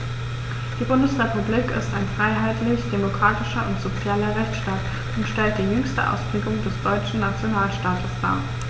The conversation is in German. Die Bundesrepublik ist ein freiheitlich-demokratischer und sozialer Rechtsstaat und stellt die jüngste Ausprägung des deutschen Nationalstaates dar.